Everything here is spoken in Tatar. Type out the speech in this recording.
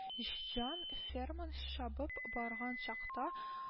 Җан-фәрман чабып барган чакта